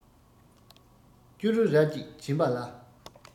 སྐྱུ རུ ར གཅིག བྱིན པ ལ